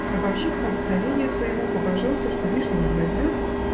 Гробовщик, по обыкновению своему, побожился, что лишнего не возьмет